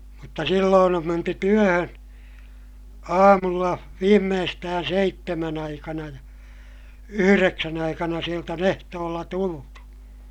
mutta silloin on menty työhön aamulla viimeistään seitsemän aikana ja yhdeksän aikana sieltä on ehtoolla tultu